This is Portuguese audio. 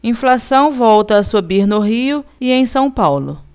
inflação volta a subir no rio e em são paulo